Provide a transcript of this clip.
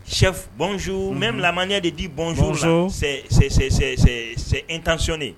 Shɛ bɔnjo bɛ lamya de di bɔnzjo n kacni